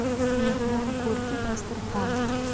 mehmon ko'rki dasturxon